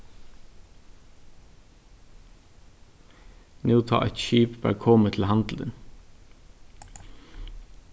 nú tá eitt skip var komið til handilin